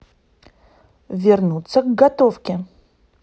вернуться к готовке